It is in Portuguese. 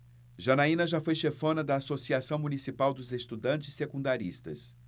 janaina foi chefona da ames associação municipal dos estudantes secundaristas